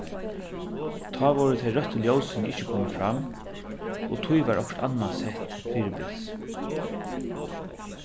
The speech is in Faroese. tá vóru tey røttu ljósini ikki komin fram og tí var okkurt annað sett fyribils